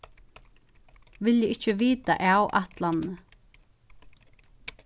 vilja ikki vita av ætlanini